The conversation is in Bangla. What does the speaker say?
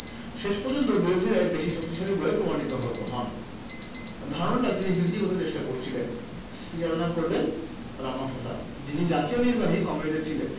শেষ পর্যন্ত বিরোধীরাই বেশি শক্তিশালী বলে প্রমাণিত হন ধারণাটা তিনি বিক্রি করতে চেষ্টা করেছিলেন স্মৃতিচারণা করেন রামাফ্রোসা যিনি জাতীয় নির্বাহী কমিটিতে ছিলেন